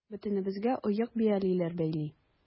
Бөтенебезгә оек-биялиләр бәйли.